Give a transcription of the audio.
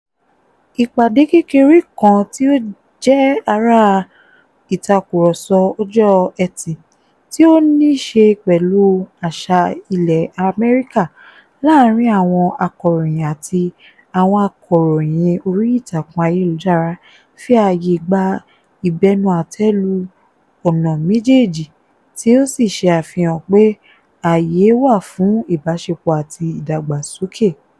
Ìpàdé kékeré kan tí ó jẹ́ ara "ìtakùrọsọ ọjọ́ ẹ̀tì" tí ó ní ṣe pẹ̀lú àṣà ilẹ̀ Amẹ́ríkà láàárín àwọn akọ̀ròyìn àti àwọn akọ̀ròyìn orí ìtàkùn ayélujára fi ààyè gbà ìbẹnu àtẹ́ lu ọ̀nà méjèèjì tí ó sì ṣe àfihàn pé ààyè wà fún ìbáṣepọ̀ àti ìdàgbàsókè.